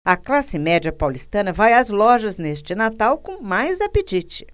a classe média paulistana vai às lojas neste natal com mais apetite